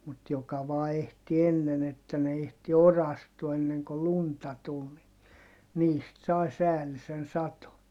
mutta joka vain ehti ennen että ne ehti orastua ennen kuin lunta tuli niin niistä sai säällisen sadon